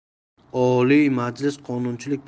oliy majlis qonunchilik